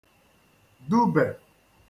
dubè